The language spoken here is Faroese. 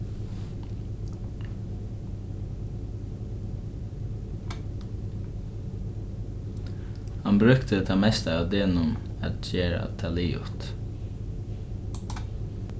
hann brúkti tað mesta av degnum at gera tað liðugt